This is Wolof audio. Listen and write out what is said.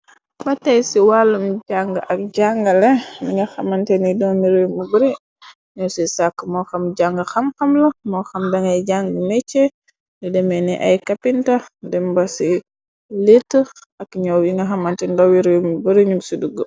Ba tey ci wàllum jàng ak jàngale dinga xamante ni doomi roumu bari ñooy ciy sàkk moo xam jàng xam xam la moo xam dangay jàng necce di deme ni ay kapinta dem ba ci liit ak ñoow yi nga xamanti ndowi ruumu bari ñu ci dugg.